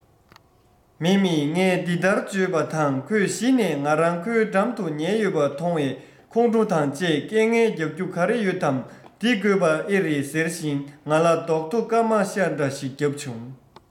མཱེ མཱེ ངས འདི ལྟར བརྗོད པ དང ཁོས གཞི ནས ང རང ཁོའི འགྲམ དུ ཉལ ཡོད པ མཐོང བས ཁོང ཁྲོ དང བཅས སྐད ངན རྒྱག རྒྱུ ག རེ ཡོད དམ འདི དགོས པ ཨེ རེད ཟེར བཞིན ང ལ རྡོག ཐོ སྐར མ ཤར འདྲ ཞིག བརྒྱབ བྱུང